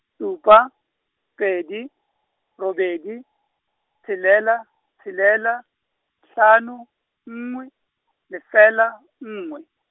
supa, pedi, robedi, tshelela, tshelela, hlano, nngwe, lefela, nngwe.